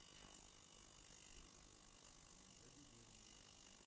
за деревьями